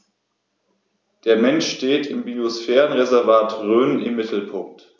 Der Mensch steht im Biosphärenreservat Rhön im Mittelpunkt.